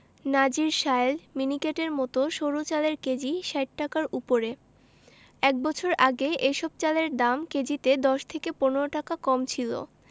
নাজিরশাইল মিনিকেটের মতো সরু চালের কেজি ৬০ টাকার ওপরে এক বছর আগে এসব চালের দাম কেজিতে ১০ থেকে ১৫ টাকা কম ছিল